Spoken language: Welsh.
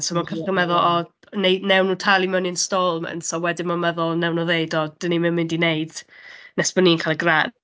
So mae o'n cychwyn meddwl, "o neu wnawn nhw talu mewn installments." A wedyn mae'n meddwl, wnawn nhw ddweud, ''O, dan ni'm yn mynd i wneud nes bod ni'n cael y gra-.''